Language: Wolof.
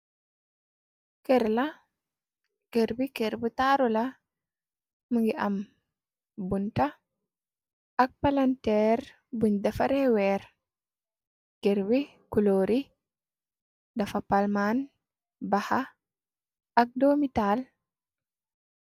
Kër la, ker bi kër bu taaru la. Mungi am bunta ak palanteer buñ dafa reweer. Kër bi kuloori dafa palmaan baxa ak doomitaal.